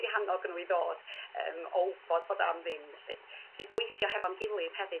I hannog n'w i ddod yym o w'bod bod o am ddim felly. Felly gweithio hefo'n gilydd hefyd